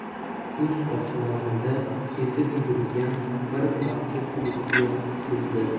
kuz osmonida kezib yurgan bir parcha bulutga tikildi